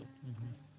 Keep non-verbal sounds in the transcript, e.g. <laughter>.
<hesitation> <hesitation>